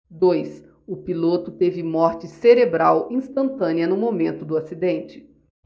dois o piloto teve morte cerebral instantânea no momento do acidente